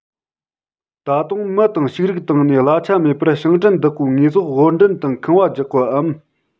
ད དུང མི དང ཕྱུགས རིགས བཏང ནས གླ ཆ མེད པར ཞིང བྲན བདག པོའི དངོས ཟོག དབོར འདྲེན དང ཁང པ རྒྱག པའམ